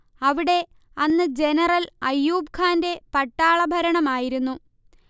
അവിടെ അന്ന് ജനറൽ അയൂബ്ഖാന്റെ പട്ടാളഭരണം ആയിരുന്നു